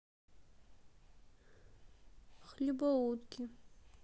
хлебо утки